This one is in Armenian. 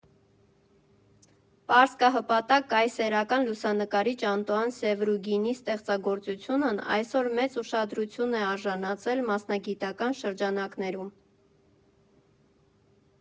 Պարսկահպատակ, կայսերական լուսանկարիչ Անտուան Սևրուգինի ստեղծագործությունն այսօր մեծ ուշադրություն է արժանացել մասնագիտական շրջանակներում։